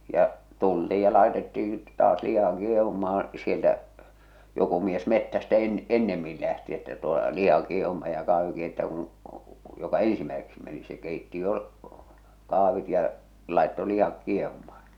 ja tultiin ja laitettiin taas liha kiehumaan sieltä joku mies metsästä - ennemmin lähti että tuo liha kiehumaan ja kahvin keittää kun joka ensimmäiseksi meni se keitti jo kahvit ja laittoi lihat kiehumaan